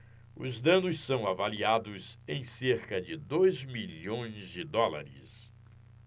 os danos são avaliados em cerca de dois milhões de dólares